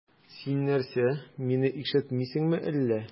Син нәрсә, мине ишетмисеңме әллә?